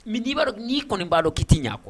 Mɛ n'i kɔni b'a dɔn'i tɛi ɲɛ kuwa